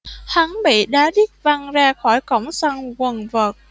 hắn bị đá đít văng ra khỏi cổng sân quần vợt